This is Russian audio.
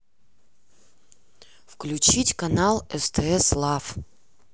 включить канал стс лав